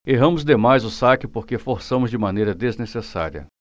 erramos demais o saque porque forçamos de maneira desnecessária